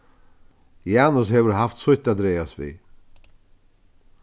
janus hevur havt sítt at dragast við